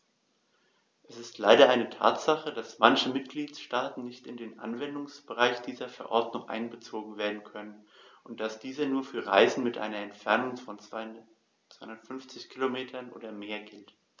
Es ist leider eine Tatsache, dass manche Mitgliedstaaten nicht in den Anwendungsbereich dieser Verordnung einbezogen werden können und dass diese nur für Reisen mit einer Entfernung von 250 km oder mehr gilt.